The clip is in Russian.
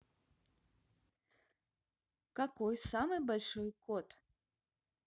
какой самый большой кот